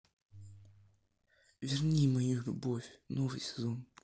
верни мою любовь новый сезон